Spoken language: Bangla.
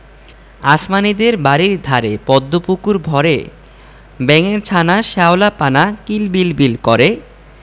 আসমানীদের বাড়ির ধারে পদ্ম পুকুর ভরে ব্যাঙের ছানা শ্যাওলা পানা কিল বিল বিল করে